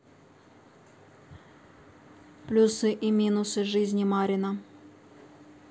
плюсы и минусы жизни марина